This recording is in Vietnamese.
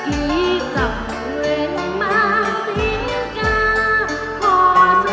vĩ cầm nguyện mang tiếng ca hò tư